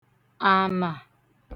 ànà